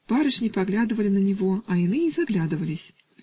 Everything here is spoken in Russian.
Барышни поглядывали на него, а иные и заглядывались